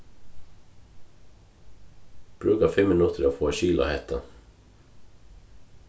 brúka fimm minuttir at fáa skil á hetta